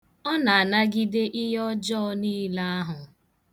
Ọ na-anagịde ihe ọjọọ niile ahụ.